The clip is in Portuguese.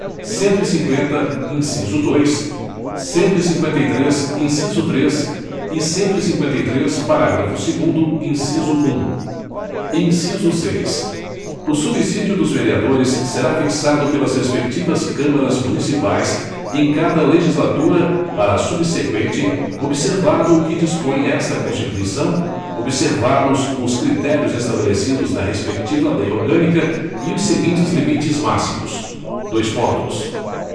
cento e cinquenta inciso dois cento e cinquenta e três inciso três e cento e cinquenta e três parágrafo segundo inciso um inciso seis o subsídio dos vereadores será fixado pelas respectivas câmaras municipais em cada legislatura para a subseqüente observado o que dispõe esta constituição observados os critérios estabelecidos na respectiva lei orgânica e os seguintes limites máximos dois pontos